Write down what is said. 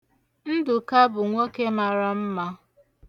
Ndụka bụ nwoke mara mma.